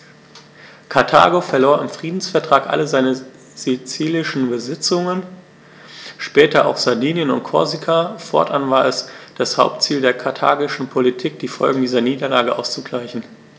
Karthago verlor im Friedensvertrag alle seine sizilischen Besitzungen (später auch Sardinien und Korsika); fortan war es das Hauptziel der karthagischen Politik, die Folgen dieser Niederlage auszugleichen.